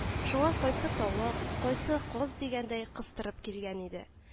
Шуңа кайсы тавык, кайсы каз дигәндәй кыстырып килгән иде